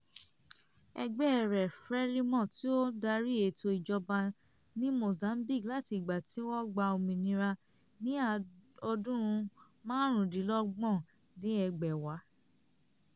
Ẹgbẹ́ rẹ̀ Frelimo ti ń darí ètò ìjọba ní Mozambique láti ìgbà tí wọ́n gba òmìnira ní ọdún 1975.